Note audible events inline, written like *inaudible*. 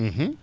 *hesitation* *hesitation*